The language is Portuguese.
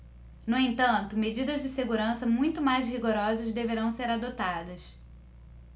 no entanto medidas de segurança muito mais rigorosas deverão ser adotadas